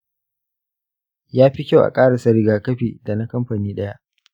yafi kyau a ƙarasa rigakafi da na kamfani ɗaya.